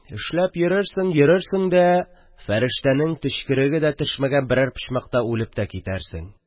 Эшләп йөрерсең-йөрерсең дә, фирештәнең төчкереге дә төшмәгән берәр почмакта үлеп тә китәрсең.